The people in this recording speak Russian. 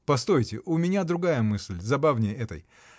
— Постойте, у меня другая мысль, забавнее этой.